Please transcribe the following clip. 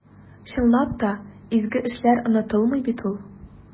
Чынлап та, изге эшләр онытылмый бит ул.